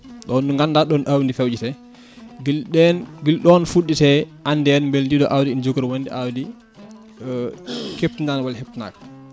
ɗon ɗo ganduiɗa ɗon awdi ndi fewjete guila ɗon fuɗɗete ande beele ndi ɗo awdi ne jogori wonde awdi keptinadi walla heptinaka